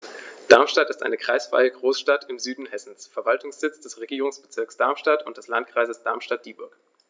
Darmstadt ist eine kreisfreie Großstadt im Süden Hessens, Verwaltungssitz des Regierungsbezirks Darmstadt und des Landkreises Darmstadt-Dieburg.